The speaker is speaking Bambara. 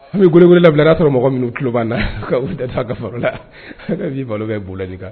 An bɛ g wili labila n'a sɔrɔ mɔgɔ minnu tuloloba na ka taa ka fara lai balo bɛ bolila de kan